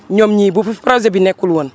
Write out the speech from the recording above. ñoom ñii bu fi projet bi nekkul woon